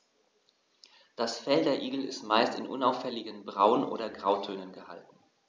Das Fell der Igel ist meist in unauffälligen Braun- oder Grautönen gehalten.